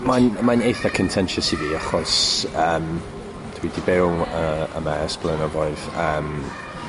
Mae'n mae'n eitha contentious i fi achos yym dwi 'di byw yy yma ers blynyddoedd yym